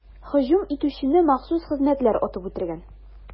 Һөҗүм итүчене махсус хезмәтләр атып үтергән.